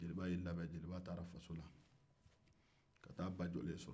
jeliba ye i labɛn a taara a faso la ka taa a ba jɔlen sɔrɔ